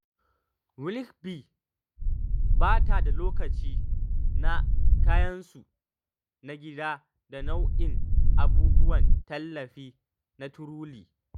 Willoughby ba ta da lokaci na kayansu na gida da nau’in abubuwan tallafi na Truly.